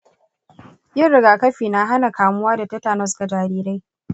yin rigakafi na hana kamuwa da tetanus ga jarirai